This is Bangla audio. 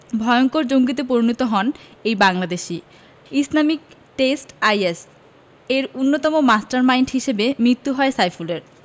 ভয়ংকর জঙ্গিতে পরিণত হন এই বাংলাদেশি ইসলামিক টেস্ট আইএস এর অন্যতম মাস্টারমাইন্ড হিসেবে মৃত্যু হয় সাইফুলের